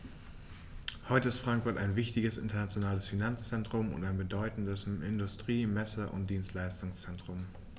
Heute ist Frankfurt ein wichtiges, internationales Finanzzentrum und ein bedeutendes Industrie-, Messe- und Dienstleistungszentrum.